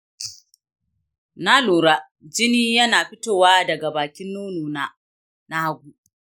na lura jini yana fitowa daga bakin nono na ta hagu.